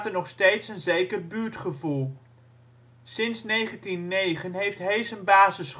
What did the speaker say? nog steeds een zeker buurtgevoel. Sinds 1909 heeft Hees een basisschool. Voor